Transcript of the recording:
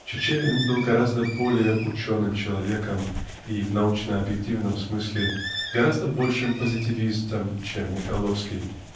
Чичерин был гораздо более ученым человеком и в научно-объективном смысле гораздо большим позитивистом чем Михайловский